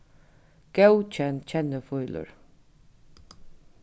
góðkenn kennifílur